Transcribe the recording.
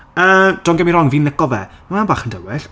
Yy don't get me wrong fi'n lico fe. Ma'n bach yn dywyll.